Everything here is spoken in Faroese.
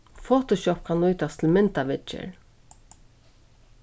photoshop kann nýtast til myndaviðgerð